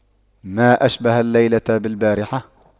ما أشبه الليلة بالبارحة